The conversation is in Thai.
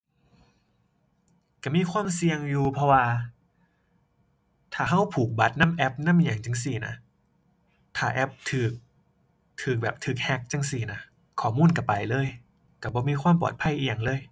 ก็มีความเสี่ยงอยู่ เพราะว่าถ้าก็ผูกบัตรนำแอปนำหยังจั่งซี้น่ะ ถ้าแอปก็ ก็แบบ ก็แฮ็กจั่งซี้น่ะ ข้อมูลก็ไปเลย ก็บ่มีความปลอดภัยอิหยังเลย